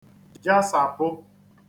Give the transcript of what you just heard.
jasapụ